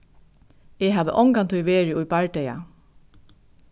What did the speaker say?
eg havi ongantíð verið í bardaga